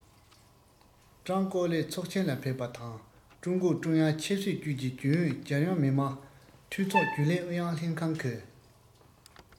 ཀྲང ཀའོ ལི ཚོགས ཆེན ལ ཕེབས པ དང ཀྲུང གུང ཀྲུང དབྱང ཆབ སྲིད ཅུས ཀྱི རྒྱུན ཨུ རྒྱལ ཡོངས མི དམངས འཐུས ཚོགས རྒྱུན ལས ཨུ ཡོན ལྷན ཁང གི